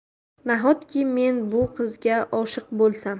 nahotki men bu qizga oshiq bo'lsam